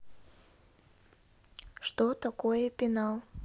что такое пенал